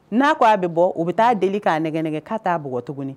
N'a ko a bɛ bɔ, u bɛ taa deli k'a nɛgɛ nɛg k' a t'a bugɔ tuguni.